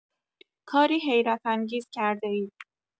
کاری حیرت‌انگیز کرده‌اید.